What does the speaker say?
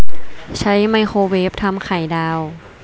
ใช้ไมโครเวฟทำไข่ดาว